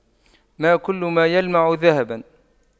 ما كل ما يلمع ذهباً